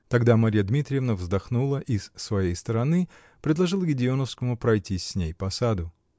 Тогда Марья Дмитриевна вздохнула и, с своей стороны, предложила Гедеоновскому пройтись с ней по саду.